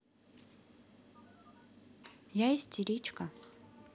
я истеричка